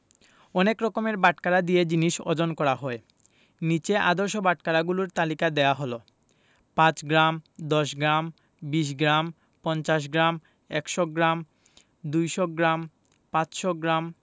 অনেক রকমের বাটখারা দিয়ে জিনিস ওজন করা হয় নিচে আদর্শ বাটখারাগুলোর তালিকা দেয়া হলঃ ৫ গ্রাম ১০গ্ৰাম ২০ গ্রাম ৫০ গ্রাম ১০০ গ্রাম ২০০ গ্রাম ৫০০ গ্রাম